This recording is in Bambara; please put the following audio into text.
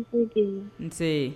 Nse